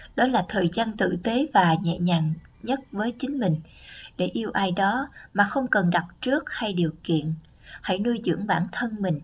đó là thời gian để tử tế và nhẹ nhàng với chính mình để yêu ai đó mà không cần đặt trước hay điều kiện hãy nuôi dưỡng bản thân